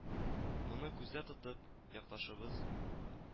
Моны күздә тотып, якташыбыз